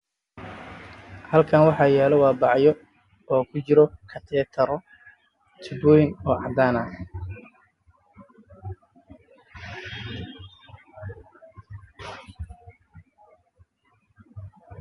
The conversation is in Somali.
Halkan waxaa yaalo dhacayo ay ku dhex jiraan qalab cadaana ah